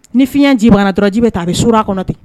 Ni fiɲɛji bannaana dɔrɔnji bɛ ta a bɛ surun a kɔnɔ ten